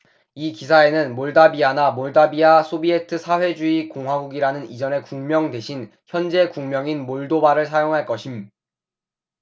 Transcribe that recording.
이 기사에서는 몰다비아나 몰다비아 소비에트 사회주의 공화국이라는 이전의 국명 대신 현재 국명인 몰도바를 사용할 것임